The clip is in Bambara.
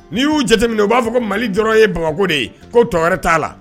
N' y'u jateminɛ u b'a fɔ ko mali dɔrɔn ye bamakɔko de ye'o tɔɔrɔɛrɛ t'a la